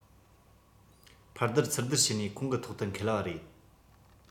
ཕར སྡུར ཚུར སྡུར བྱས ནས ཁོང གི ཐོག ཏུ འཁེལ བ རེད